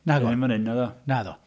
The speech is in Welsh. Naddo... O'n i'm fan hyn, naddo... Naddo.